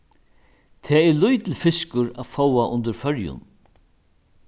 tað er lítil fiskur at fáa undir føroyum